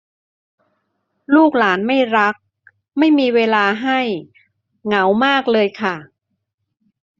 ลูกหลานไม่รักไม่มีเวลาให้เหงามากเลยค่ะ